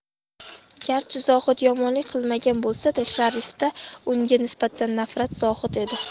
garchi zohid yomonlik qilmagan bo'lsa da sharifda unga nisbatan nafrat zohir edi